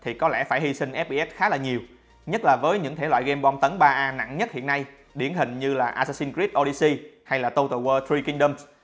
thì có lẽ phải hy sinh fps khá nhiều nhất là với những game bom tấn aaa nặng nhất hiện nay điển hình như assassin's creed odyssey hay total war three kingdoms